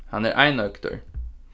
hann er einoygdur